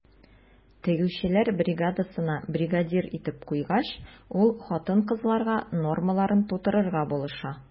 Тегүчеләр бригадасына бригадир итеп куйгач, ул хатын-кызларга нормаларын тутырырга булыша.